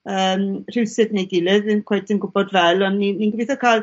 yn rhywsut neu gilydd ddim cweit yn gwbod fel on' ni'n ni'n gobitho ca'l